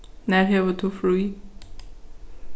nær hevur tú frí